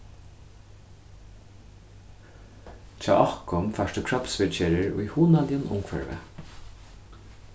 hjá okkum fært tú kropsviðgerðir í hugnaligum umhvørvi